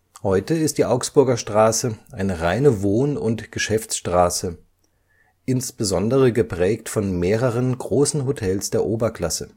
Heute ist die Augsburger Straße eine reine Wohn - und Geschäftsstraße, insbesondere geprägt von mehreren großen Hotels der Oberklasse